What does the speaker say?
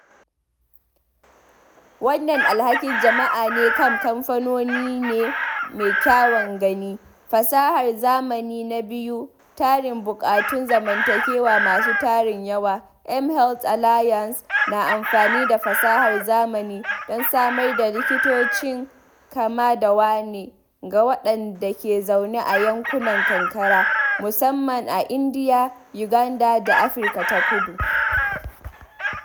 “Wannan alhakin jama'a ne kan kamfanoni ne mai kyawun gani — fasahar zamani na biyan tarin buƙatun zamantakewa masu tarin yawa… mHealth Alliance na amfani da fasahar zamani don samar da likitocin kama-da-wane ga waɗanda ke zaune a yankunan karkara, musamman a Indiya, Uganda da Afirka ta Kudu.”